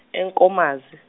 eNkomazi.